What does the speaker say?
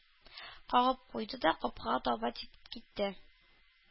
Кагып куйды да капкага таба китте.